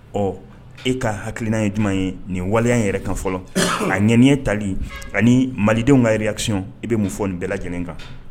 Ɔ e ka hakilikiina ye jumɛn ye nin waleya yɛrɛ kan fɔlɔ ka ɲ tali ani malidenw ka yɛrɛkiyɔn i bɛ mun fɔ nin bɛɛ lajɛlen kan